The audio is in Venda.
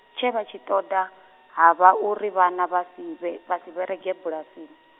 tshe vha tshi ṱoḓa, ha vha uri vhana vhasi vha si vhe-, vha si vherege bulasini.